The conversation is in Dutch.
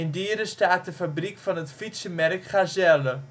Dieren staat de fabriek van het fietsenmerk Gazelle